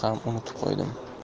ham unutib qo'ydim